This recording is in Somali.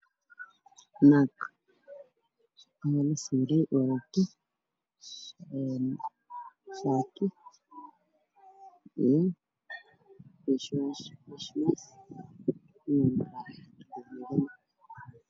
Waa naag wadato guduud cabbaayad madow afka ayaa u xiran darbi ka dambeeyay wacdaan